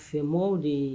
Fɛnmɔgɔww de ye